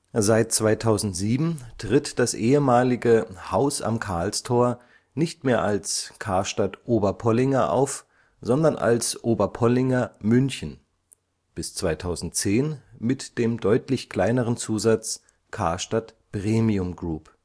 Seit 2007 tritt das ehemalige „ Haus am Karlstor “nicht mehr als „ Karstadt Oberpollinger “auf, sondern als „ Oberpollinger München “, bis 2010 mit dem deutlich kleineren Zusatz „ Karstadt Premium Group